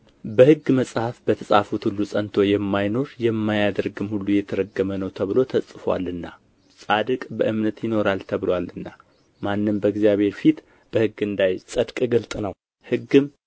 በሕግ መጽሐፍ በተጻፉት ሁሉ ጸንቶ የማይኖር የማያደርግም ሁሉ የተረገመ ነው ተብሎ ተጽፎአልና ጻድቅ በእምነት ይኖራል ተብሎአልና ማንም በእግዚአብሔር ፊት በሕግ እንዳይጸድቅ ግልጥ ነው ሕግም